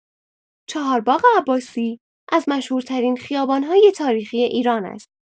چهارباغ عباسی از مشهورترین خیابان‌های تاریخی ایران است.